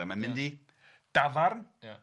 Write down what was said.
...a mae'n mynd i dafarn... Ia